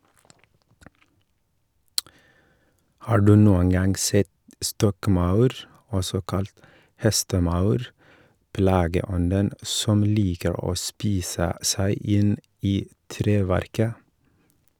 Har du noen gang sett stokkmaur, også kalt hestemaur, plageånden som liker å spise seg inn i treverket?